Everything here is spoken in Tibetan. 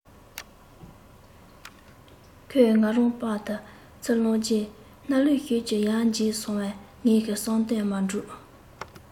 ཁོས ང རང པང དུ ཚུར བླངས རྗེས སྣ ལུད ཤུགས ཀྱིས ཡར འཇིབས སོང བས ངའི བསམ དོན མ གྲུབ